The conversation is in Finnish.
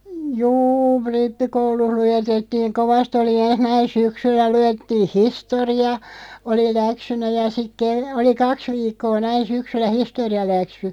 juu rippikoulussa luetettiin kovasti oli ensin näin syksyllä luettiin historia oli läksynä ja sitten - oli kaksi viikkoa näin syksyllä historialäksy